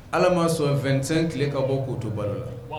Ala maa sɔn infɛnsen tile ka bɔ ko to balo la